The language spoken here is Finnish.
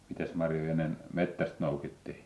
mitäs marjoja ennen metsästä noukittiin